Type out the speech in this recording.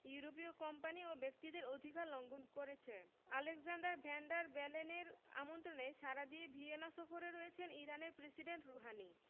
ইউরোপীয় কোম্পানি এবং ব্যক্তিদের অধিকার লঙ্ঘন করেছে আলেক্সান্ডার ভ্যান ডার বেলেনের আমন্ত্রণে সাড়া দিয়ে ভিয়েনা সফরে রয়েছেন ইরানের প্রেসিডেন্ট রুহানি